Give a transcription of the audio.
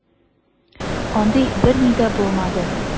Андый берни дә булмады.